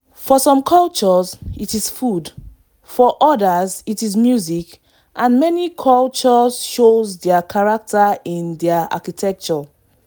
For some cultures, it is food, for others it is music, and many cultures show their character in their architecture.